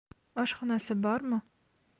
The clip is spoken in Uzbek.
oshxonasi bormi